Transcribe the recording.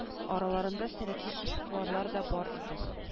Араларында сәләтле эшкуарлар да бар иде